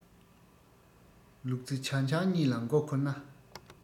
ལུག རྫི ཇ ཆང གཉིས ལ མགོ འཁོར ན